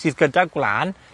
sydd gyda gwlân